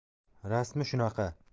rasmi shunaqa